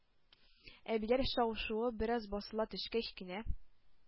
Әбиләр шау-шуы бераз басыла төшкәч кенә,